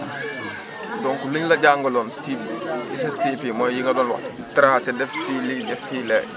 donc li ñu la jàngaloon ci SSTP mooy yi nga doon wax tracer def fii lii def fii lee